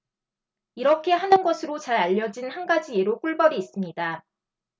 이렇게 하는 것으로 잘 알려진 한 가지 예로 꿀벌이 있습니다